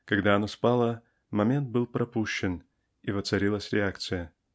Когда оно спало, момент был пропущен и воцарилась реакция.